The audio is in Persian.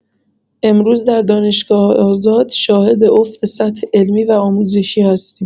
امروز در دانشگاه آزاد شاهد افت سطح علمی و آموزشی هستیم